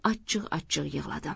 achchiq achchiq yig'ladim